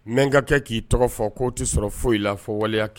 N ka kɛ k'i tɔgɔ fɔ k'o tɛ sɔrɔ foyi la fɔ waleya kɛ